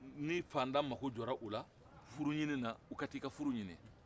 ni faanta mako jɔra u la furuɲini na u ka taa i ka furu ɲini